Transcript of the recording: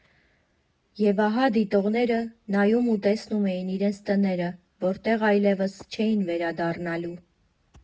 Եվ ահա, դիտողները նայում ու տեսնում էին իրենց տները, որտեղ այլևս չէին վերադառնալու։